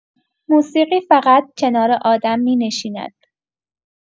موسیقی فقط «کنار آدم می‌نشیند».